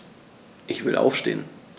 Ich will aufstehen.